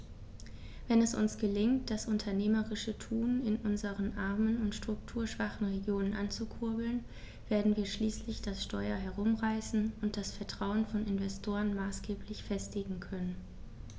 Wenn es uns gelingt, das unternehmerische Tun in unseren armen und strukturschwachen Regionen anzukurbeln, werden wir schließlich das Steuer herumreißen und das Vertrauen von Investoren maßgeblich festigen können.